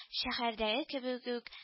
Шәһәрдәге кебек үк